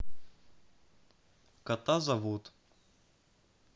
кота зовут